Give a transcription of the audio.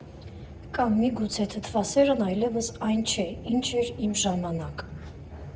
Կամ միգուցե թթվասերն այլևս այն չէ, ինչ էր մի ժամանակ։